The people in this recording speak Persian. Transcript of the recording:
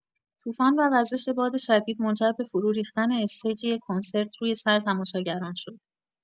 طوفان و وزش باد شدید منجر به فرو ریختن استیج یک کنسرت روی سر تماشاگران شد.